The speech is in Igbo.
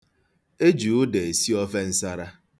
E ji ụda esi ofe nsara.